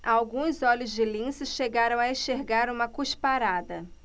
alguns olhos de lince chegaram a enxergar uma cusparada